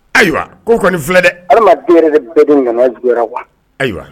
Ayiwa ko kɔni filɛ dɛ adama adama den bɛɛ de nana wa ayiwa